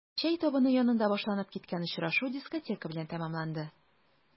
Чәй табыны янында башланып киткән очрашу дискотека белән тәмамланды.